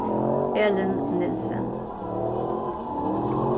elin nielsen